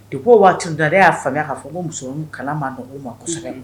De ko waati da e y'a faamuya k'a fɔ ko mu kalan maadugu masɛbɛ